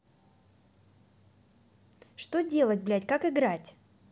что делать блядь как играть